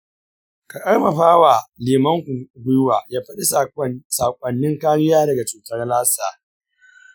ka karfafawa limanku gwuiwa ya fadi sakonnin kariya daga cutar lassa.